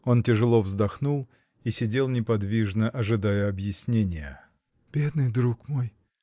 Он тяжело вздохнул и сидел неподвижно, ожидая объяснения. — Бедный друг мой!